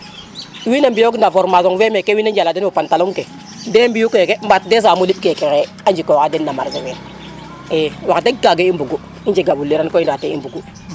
wiin se mbiyoog na formmation meke wiin we njala den fo pantalon ke de mbi u keeke mbaat te saamu liɓ keke xaye a njiko xa den no marcher fe i wax deg kaga i mbugu i njega fuliran koy nda kaga i mbugu